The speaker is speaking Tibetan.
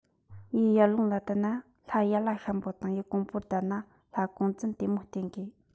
ཡུལ ཡར ཀླུངས ལ བསྡད ན ལྷ ཡར ལྷ ཤམ པོ དང ཡུལ ཀོང པོར བསྡད ན ལྷ ཀོང བཙུན དེ མོ བསྟེན དགོས